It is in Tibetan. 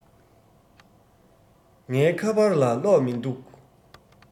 ངའི ཁ པར ལ གློག མིན འདུག